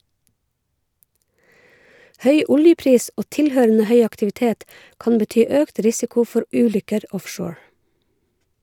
Høy oljepris og tilhørende høy aktivitet kan bety økt risiko for ulykker offshore.